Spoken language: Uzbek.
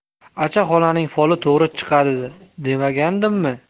acha xolaning foli to'g'ri chiqadi demaganmidim